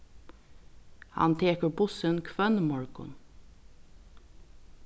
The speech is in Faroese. hann tekur bussin hvønn morgun